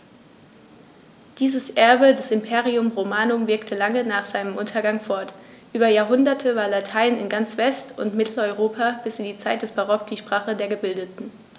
Dieses Erbe des Imperium Romanum wirkte lange nach seinem Untergang fort: Über Jahrhunderte war Latein in ganz West- und Mitteleuropa bis in die Zeit des Barock die Sprache der Gebildeten.